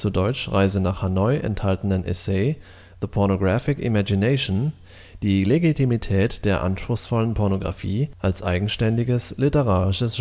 dt. Reise nach Hanoi) enthaltenen Essay The Pornographic Imagination die Legitimität der anspruchsvollen Pornografie als eigenständiges literarisches